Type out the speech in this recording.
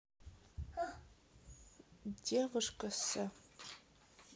девушка с